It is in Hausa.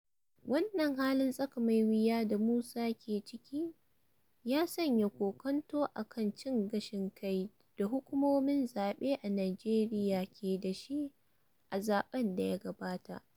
Wannan halin tsaka mai wuya da Musa ke ciki ya sanya kokwanto a kan cin gashin kai da hukumomin zaɓe a Nijeriya ke da shi a zaɓen da ya gabata.